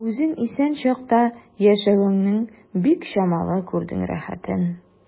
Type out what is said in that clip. Үзең исән чакта яшәвеңнең бик чамалы күрдең рәхәтен.